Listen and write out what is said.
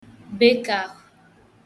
bekàhụ̄